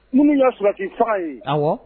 Minnu ye sulaki faga ye a